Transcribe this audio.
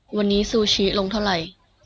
วันนี้ซูชิลงเท่าไหร่